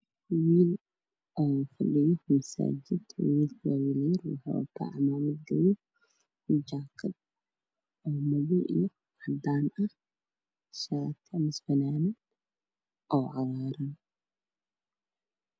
Waa wiil oo fadhiya masaajid ka waxaa ag fadhiya wiil watay khamiis jaale wuxuu wataa cimaamad guduud shaati madow